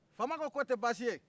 faama ko k'o tɛ basi ye